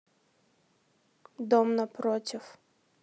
дом напротив